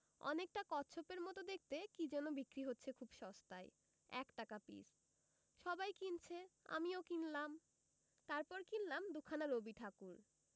অনেকটা কচ্ছপের মত দেখতে কি যেন বিক্রি হচ্ছে খুব সস্তায় এক টাকা পিস সবাই কিনছে আমিও কিনলাম তারপর কিনলাম দু'খানা রবিঠাকুর